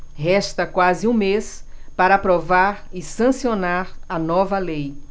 resta quase um mês para aprovar e sancionar a nova lei